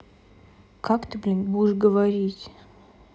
как ты блядь будешь говорить